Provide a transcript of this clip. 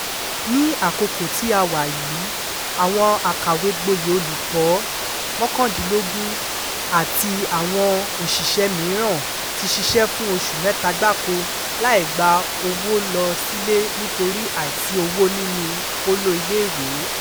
Ní àkókò tí a wà yìí, àwọn àkàwé-gboyè olùkọ́ 19 àti àwọn òṣìṣẹ́ mìíràn ti ṣiṣẹ́ fún oṣù mẹ́ta gbáko láì gba owó lọ sílé nítorí àìsí owó nínúu kóló iléèwé.